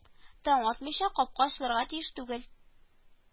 Таң атмыйча капка ачылырга тиеш түгел